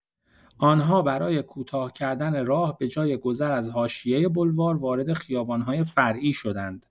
آن‌ها برای کوتاه‌کردن راه به‌جای گذر از حاشیه بلوار وارد خیابان‌های فرعی شدند.